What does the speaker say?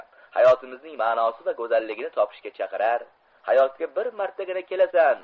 hayotimizning ma'nosi va go'zalligini topishga chaqirar hayotga bir martagina kelasan